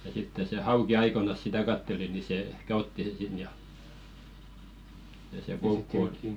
ja sitten se hauki aikoinaan sitä katseli niin se ehkä otti sen sinne ja ja se koukku otti